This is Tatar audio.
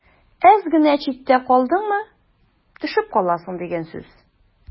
Әз генә читтә калдыңмы – төшеп каласың дигән сүз.